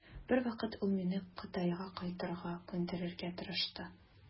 Бер вакыт ул мине Кытайга кайтырга күндерергә тырышты.